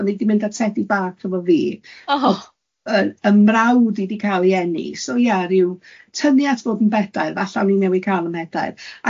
o'n i di mynd at tedi bach efo fi o'dd 'yn ym mrawd i di ca'l ei eni, so ia ryw tynnu at fod yn bedair, falla o'n i newydd ca'l fy medair.